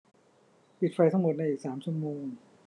ปิดไฟทั้งหมดในอีกสามชั่วโมง